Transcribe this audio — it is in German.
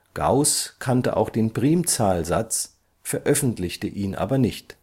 Gauß kannte auch den Primzahlsatz, veröffentlichte ihn aber nicht